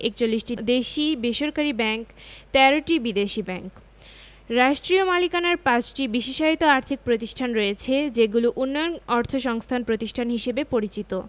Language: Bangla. ৪১টি দেশী বেসরকারি ব্যাংক ১৩টি বিদেশী ব্যাংক রাষ্ট্রীয় মালিকানার ৫টি বিশেষায়িত আর্থিক প্রতিষ্ঠান রয়েছে যেগুলো উন্নয়ন অর্থসংস্থান প্রতিষ্ঠান হিসেবে পরিচিত